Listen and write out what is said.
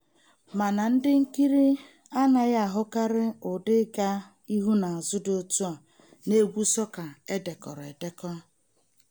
Mana ndị nkiri anaghị ahụkarị ụdị ịga ihu na azụ dị otu a n'egwu sọka e dekọrọ edekọ.